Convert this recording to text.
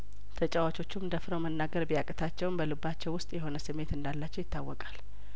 ተጨዋቾቹም ደፍረው መናገር ቢያቅታቸውም በልባቸው ውስጥ የሆነ ስሜት እንዳላቸው ይታወቃል